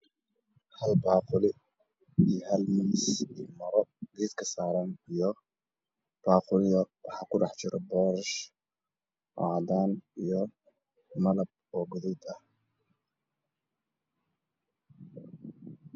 Waxa ii muuqda weel ay ku jiraan wax cad iyo malab